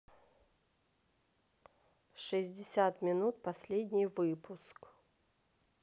шестьдесят минут последний выпуск